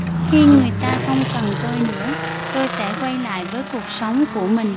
khi người ta không cần tôi nữa tôi sẽ quay lại với cuộc sống của mình